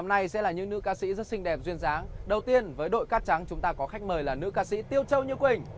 này sẽ là những nữ ca sĩ rất xinh đẹp duyên dáng đầu tiên với đội cát trắng chúng ta có khách mời là nữ ca sĩ tiêu châu như quỳnh